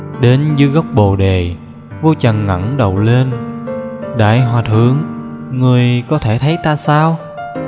đến dưới gốc bồ đề vô trần ngẩng đầu lên đại hòa thượng ngươi có thể thấy ta sao